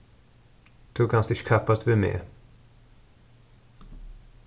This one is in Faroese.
tú kanst ikki kappast við meg